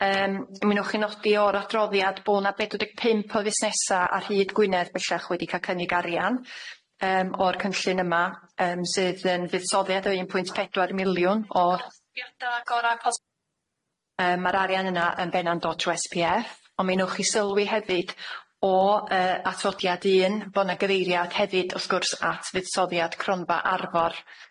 ym mi newch chi nodi o'r adroddiad bo' 'na bedwar deg pump o fusnesa ar hyd Gwynedd bellach wedi ca'l cynnig arian yym o'r cynllun yma yym sydd yn fuddsoddiad o un pwynt pedwar miliwn o yym ma'r arian yna yn benna'n dod trw' Es Pee Eff on' mi newch chi sylwi hefyd o yy atodiad un bo 'na gyfeiriad hefyd wrth gwrs at fuddsoddiad Cronfa Arfor.